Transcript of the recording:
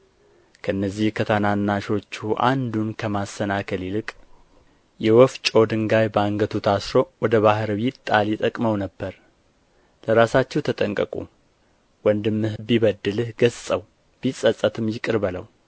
ከእነዚህ ከታናናሾች አንዱን ከማሰናከል ይልቅ የወፍጮ ድንጋይ በአንገቱ ታስሮ ወደ ባሕር ቢጣል ይጠቅመው ነበር ለራሳችሁ ተጠንቀቁ ወንድምህ ቢበድልህ ገሥጸው ቢጸጸትም ይቅር በለው